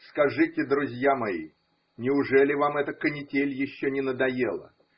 Скажите, друзья мои, неужели вам эта канитель еще не надоела?